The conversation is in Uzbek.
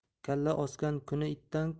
kalla osgan kuni itdan